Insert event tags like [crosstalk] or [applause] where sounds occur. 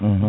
[hesitation] [hesitation]